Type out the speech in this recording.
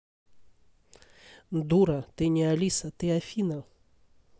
дура ты не алиса ты афина